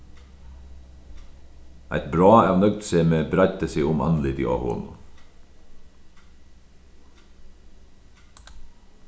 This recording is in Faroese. eitt brá av nøgdsemi breiddi seg um andlitið á honum